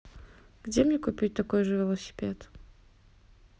где мне купить такой же велосипед